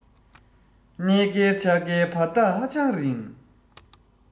གནས བསྐལ ཆགས བསྐལ བར ཐག ཧ ཅང རིང